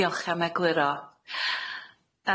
Diolch am egluro.